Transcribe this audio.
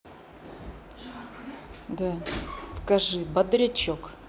скажи бодрячок